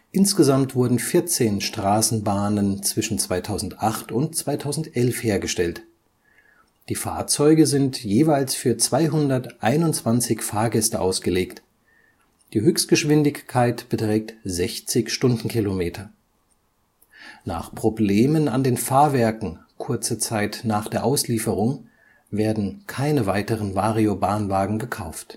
Insgesamt wurden 14 Straßenbahnen zwischen 2008 und 2011 hergestellt. Die Fahrzeuge sind jeweils für 221 Fahrgäste ausgelegt. Die Höchstgeschwindigkeit beträgt 60 km/h. Nach Problemen an den Fahrwerken kurze Zeit nach der Auslieferung werden keine weiteren Variobahnwagen gekauft